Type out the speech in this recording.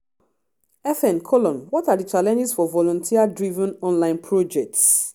FN: What are the challenges for volunteer-driven online projects?